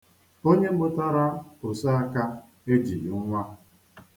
Onye mụtara oseaka ejighi nwa.